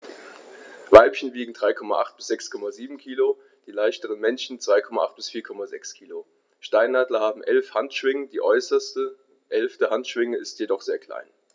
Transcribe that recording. Weibchen wiegen 3,8 bis 6,7 kg, die leichteren Männchen 2,8 bis 4,6 kg. Steinadler haben 11 Handschwingen, die äußerste (11.) Handschwinge ist jedoch sehr klein.